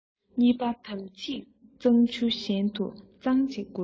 གཉིས པ དམ ཚིག གཙང ཆུ བཞིན དུ གཙང གཅིག དགོས